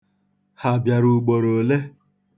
Ha bịara ugboroole?